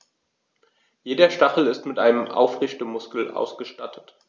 Jeder Stachel ist mit einem Aufrichtemuskel ausgestattet.